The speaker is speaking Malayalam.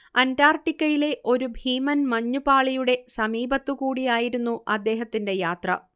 അന്റാർട്ടിക്കയിലെ ഒരു ഭീമൻ മഞ്ഞുപാളിയുടെ സമീപത്തുകൂടിയായിരുന്നു അദ്ദേഹത്തിന്റെ യാത്ര